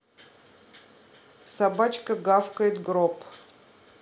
собачка гавкает гроб